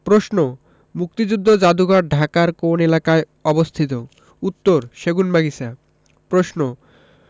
প্রশ্ন মুক্তিযুদ্ধ যাদুঘর ঢাকার কোন এলাকায় অবস্থিত উত্তরঃ সেগুনবাগিচা প্রশ্ন